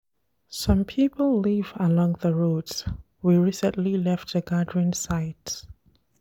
Some people live along the roads, we recently left the gathering sites.